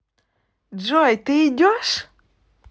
джой ты идет